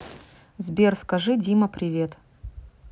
сбер скажи дима привет